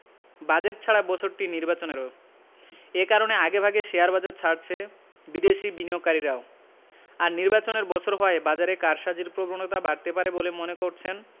budget ছাড়া বছরটি নির্বাচনেরও এ কারণে আগেভাগে শেয়ারবাজার ছাড়ছে বিদেশি বিনিয়োগকারীরাও আর নির্বাচনের বছর হওয়ায় বাজারে কারসাজির প্রবণতা বাড়তে পারে বলে মনে করছেন